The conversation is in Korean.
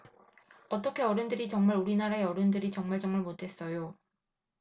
어떻게 어른들이 정말 우리나라의 어른들이 정말정말 못됐어요